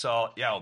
So iawn